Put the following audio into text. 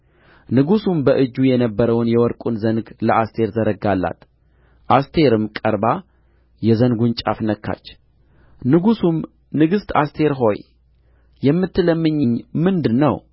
ንጉሡም በእጁ የነበረውን የወርቁን ዘንግ ለአስቴር ዘረጋላት አስቴርም ቀርባ የዘንጉን ጫፍ ነካች ንጉሡም ንግሥት አስቴር ሆይ የምትለምኚኝ ምንድር ነው